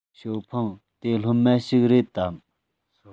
ཞའོ ཧྥུང དེ སློབ མ ཞིག རེད དམ